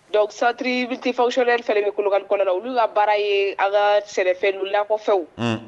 Dɔnku satiribitifawy bɛ kolo kulubali kɔnɔna na olu ka baara ye an ka sɛnɛlakɔ fɛw